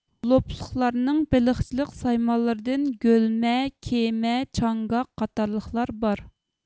لوپلۇقلارنىڭ بېلىقچىلىق سايمانلىرىدىن گۆلمە كېمە چاڭگاق قاتارلىقلار بار